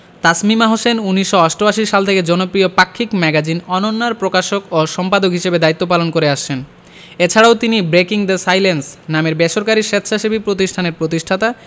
তাসমিমা হোসেন ১৯৮৮ সাল থেকে জনপ্রিয় পাক্ষিক ম্যাগাজিন অনন্যা র প্রকাশক ও সম্পাদক হিসেবে দায়িত্ব পালন করে আসছেন এ ছাড়া তিনি ব্রেকিং দ্য সাইলেন্স নামের বেসরকারি স্বেচ্ছাসেবী প্রতিষ্ঠানের প্রতিষ্ঠাতা